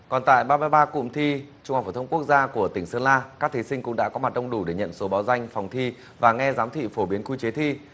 còn tại ba mươi ba cụm thi trung học phổ thông quốc gia của tỉnh sơn la các thí sinh cũng đã có mặt đông đủ để nhận số báo danh phòng thi và nghe giám thị phổ biến quy chế thi